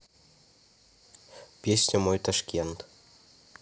песня мой ташкент